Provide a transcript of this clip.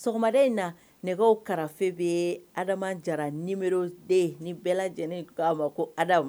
Sɔgɔmaden in na nɛgɛkaw karafe bɛ adama jara niden ni bɛɛ lajɛlen k ko'a ma ko ha